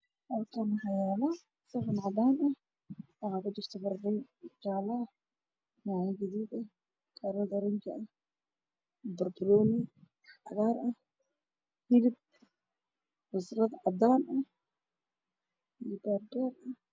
Waa saxan cadaan waxaa ku jirto hilib iyo qudaar bad banooni sal ka miiska waa caddaan